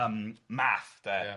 Yym, Math, 'de? Ia.